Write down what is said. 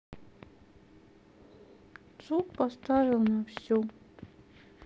звук поставил на всю